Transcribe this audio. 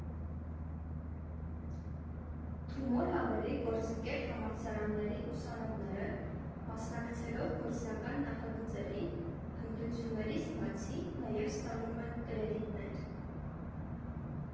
Թումո լաբերի գործընկեր համալսարանների ուսանողները, մասնակցելով գործնական նախագծերի, հմտություններից բացի նաև ստանում են կրեդիտներ։